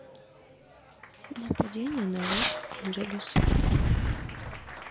нападение на лос анджелес